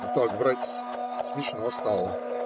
- А так, братец, смешно стало.